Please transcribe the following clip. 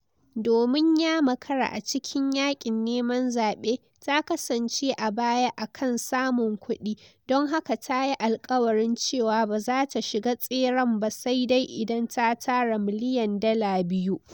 Domin ya makara a cikin yaƙin neman zaɓe, ta kasance a baya a kan samun kuɗi, don haka ta yi alƙawarin cewa ba za ta shiga tseren ba sai dai idan ta tara miliyan $2.